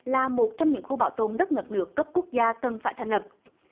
là một trong những khu bảo tồn đất ngập nước cấp quốc gia cần phải thành lập